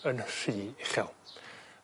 yn rhy uchel.